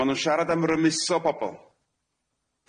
Ma' nw'n siarad am rymuso pobol.